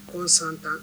Qu'on s'entende